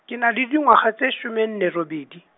ke na le dingwaga tse somenne robedi.